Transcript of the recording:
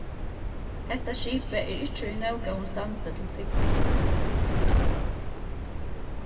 hetta skipið er ikki í nóg góðum standi til sigling